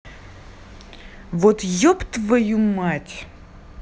вот еб твою мать